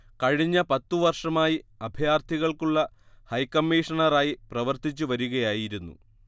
കഴിഞ്ഞ പത്തുവർഷമായി അഭയാർഥികൾക്കുളള ഹൈക്കമ്മീഷണറായി പ്രവർത്തിച്ച് വരികയായിരുന്നു